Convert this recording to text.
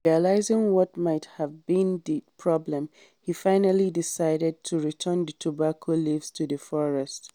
Realizing what might have been the problem, he finally decided to return the tobacco leaves to the forest.